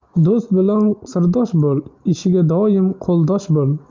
do'st bilan sirdosh bo'l ishiga doim qo'ldosh bo'l